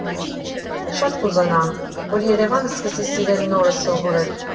Շատ կուզենամ, որ Երևանը սկսի սիրել նորը սովորել։